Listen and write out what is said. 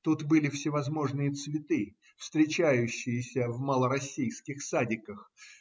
Тут были всевозможные цветы, встречающиеся в малороссийских садиках